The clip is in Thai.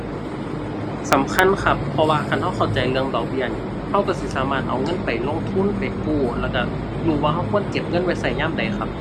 สำคัญครับ เพราะว่าคันเราเข้าใจเรื่องดอกเบี้ยนี่ เราเราสิสามารถเอาเงินไปลงทุน ไปกู้ แล้วเรารู้ว่าเราควรเก็บเงินไว้เรายามใดครับ